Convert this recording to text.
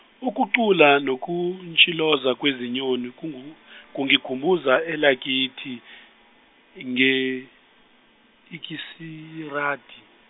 ukucula nokutshiloza kwezinyoni kungu- kungikhumbuza elakithi nge Ilkisirati.